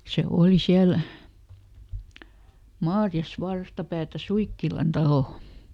se oli siellä Maariassa vastapäätä Suikkilan taloa